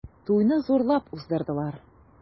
Туйны зурлап уздырдылар.